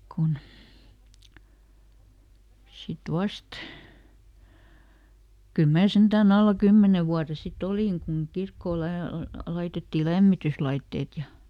kun sitten vasta kyllä minä sentään alla kymmenen vuoden sitten olin kun kirkkoon - laitettiin lämmityslaitteet ja